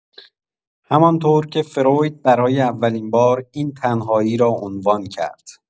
همان‌طور که فروید برای اولین بار این تنهایی را عنوان کرد.